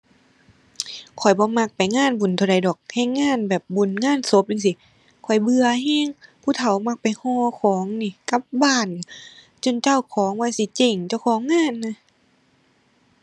ข้อยบ่มักไปงานบุญเท่าใดดอก แฮ่งงานแบบบุญงานศพจั่งซี้ ข้อยเบื่อแรง ผู้เฒ่ามักไปห่อของหนิ กลับบ้าน จนเจ้าของว่าสิเจ๊ง เจ้าของงานน่ะ